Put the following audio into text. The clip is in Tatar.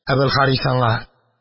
Әбелхарис аңа: